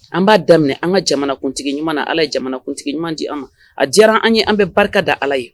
An b'a daminɛ an ka jamanakuntigi ɲuman na. Ala ye jamanakuntigi ɲuman di an ma. A diyara an ye an bɛ barika da Ala ye.